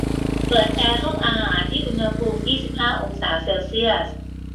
เปิดแอร์ห้องอาหารที่อุณหภูมิยี่สิบห้าองศาเซลเซียส